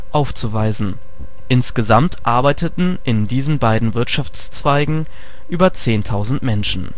aufzuweisen. Insgesamt arbeiteten in diesen beiden Wirtschaftszweigen über 10.000 Menschen